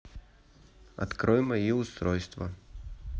открой мои устройства